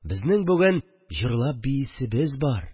Безнең бүген җырлап биисебез бар